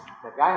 đẹp gái ha